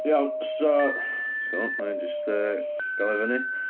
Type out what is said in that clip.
Iawn so disgwyl, wna i jyst gael o fyny.